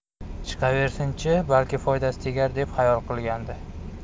chiqaversin chi balki foydasi tegar deb xayol qilgandi